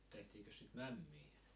tehtiinkös sitä mämmiä